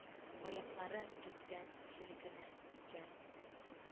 – аяклары төптән селкенә икән